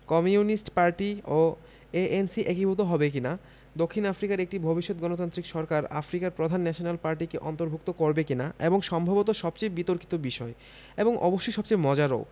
communist party ও ANC একীভূত হবে কি না দক্ষিণ আফ্রিকার একটি ভবিষ্যৎ গণতান্ত্রিক সরকার আফ্রিকার প্রধান ন্যাশনাল পার্টিকে অন্তর্ভুক্ত করবে কি না এবং সম্ভবত সবচেয়ে বিতর্কিত বিষয় এবং অবশ্যই সবচেয়ে মজারও